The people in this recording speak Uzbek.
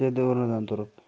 dedi o'rnidan turib